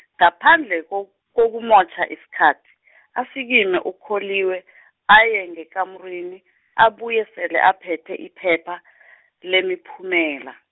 ngaphandle ko- kokumotjha isikhathi , asikime uKholiwe , aye ngekamurini abuye sele aphethe iphepha , lemiphumela.